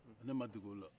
ne ma dege o la